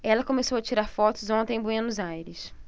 ela começou a tirar fotos ontem em buenos aires